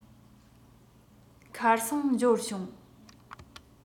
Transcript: ཁ སང འབྱོར བྱུང